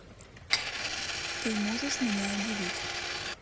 ты можешь меня удивить